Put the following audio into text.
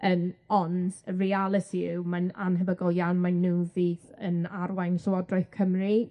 Yym on' y realiti yw mae'n annhebygol iawn mae nw fydd yn arwain Llywodraeth Cymru.